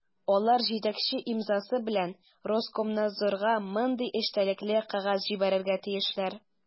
Алар җитәкче имзасы белән Роскомнадзорга мондый эчтәлекле кәгазь җибәрергә тиешләр: